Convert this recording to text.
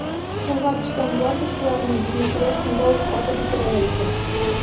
Кулга төшкән власовчыларны безнекеләр шунда ук атып үтерәләр икән.